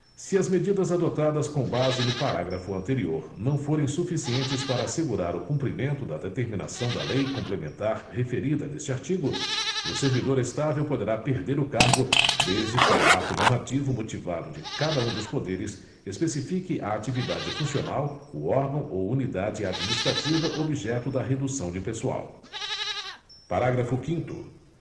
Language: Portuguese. se as medidas adotadas com base no parágrafo anterior não forem suficientes para assegurar o cumprimento da determinação da lei complementar referida neste artigo o servidor estável poderá perder o cargo desde que ato normativo motivado de cada um dos poderes especifique a atividade funcional o órgão ou unidade administrativa objeto da redução de pessoal parágrafo quinto